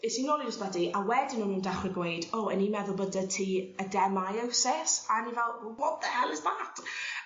Es i nôl i'r ysbyty a wedyn o' nw'n dechre gweud o 'yn ni'n meddwl bo' 'dy ademyosis a o'n i fel w- what the hell is that?